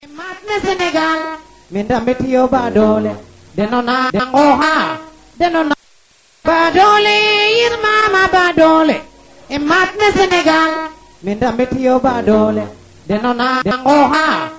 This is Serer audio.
joka njal Djiby joka njal xendaaxendan o yaalo xe damla in iono fop a moƴa xolana yiifa ke a moƴo xoolan xa ñuxraxe ndaa yit a mbaato wodo le iyo simna saate fee fop waasnuwa fop xaq